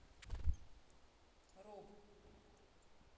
роб